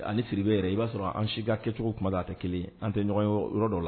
Ani siri bɛ yɛrɛ i b'a sɔrɔ an sika kɛcogo tuma'a tɛ kelen an tɛ ɲɔgɔn yɔrɔ dɔ la